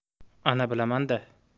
ana bilaman da